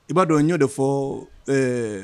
I b'a dɔn n'o de fɔ ɛɛ